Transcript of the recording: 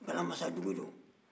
guwala masadugu don